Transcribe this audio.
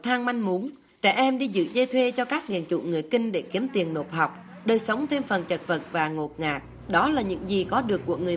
thang manh mún trẻ em đi dự dê thuê cho các điền chủ người kinh để kiếm tiền nộp học đời sống thêm phần chật vật và ngột ngạt đó là những gì có được của người